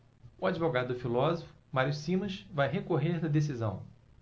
o advogado do filósofo mário simas vai recorrer da decisão